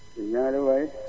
na nga def waay